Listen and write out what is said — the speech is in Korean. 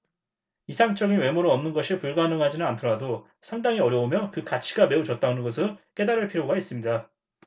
이상적인 외모를 얻는 것이 불가능하지는 않더라도 상당히 어려우며 그 가치가 매우 적다는 것을 깨달을 필요가 있습니다